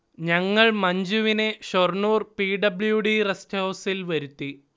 ഞങ്ങൾ മഞ്ജുവിനെ Shoranur P. W. D. റെസ്റ്റ്ഹൗസിൽ വരുത്തി